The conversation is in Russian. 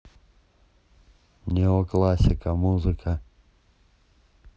неоклассика музыка